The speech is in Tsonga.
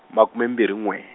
makume mbirhi n'we.